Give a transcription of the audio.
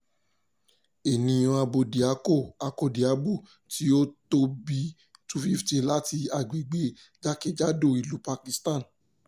Ènìyàn Abódiakọ-akọ́diabo tí ó tó bí 250 láti agbègbè jákèjádò ìlú Pakistan.